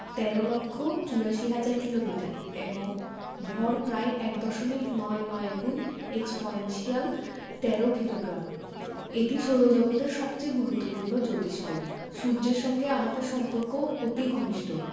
১৩ লক্ষ ৮৪ হাজার কিলোমিটার এবং ভর প্রায় এক দশমিক নয় নয় এক্সপনেনশিয়াল ১৩ কিলোগ্রাম এটি সৌরজগতের সবচেয়ে গুরুত্বপূর্ণ জোতিষ্ক সূর্যের সঙ্গে আমাদের সম্পর্ক অতি ঘনিষ্ট